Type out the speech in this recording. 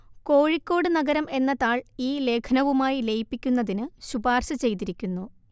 കോഴിക്കോട് നഗരം എന്ന താൾ ഈ ലേഖനവുമായി ലയിപ്പിക്കുന്നതിന് ശുപാർശ ചെയ്തിരിക്കുന്നു